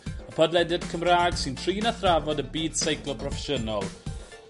...y podlediad Cymra'g sy'n trin a thrafod y byd seiclo broffesiynol.